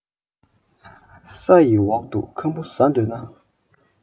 ས ཡི འོག ཏུ ཁམ བུ ཟ འདོད ན